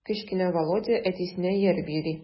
Кечкенә Володя әтисенә ияреп йөри.